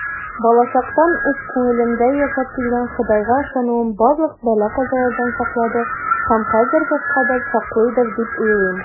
Балачактан ук күңелемдә яшәп килгән Ходайга ышануым барлык бәла-казалардан саклады һәм хәзергә кадәр саклыйдыр дип уйлыйм.